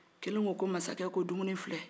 kelen ko ko mansakɛ dumuni filɛ